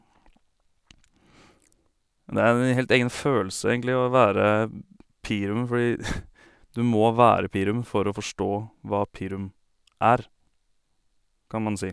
Og det er en helt egen følelse, egentlig, å være Pirum, fordi du må være Pirum for å forstå hva Pirum er, kan man si.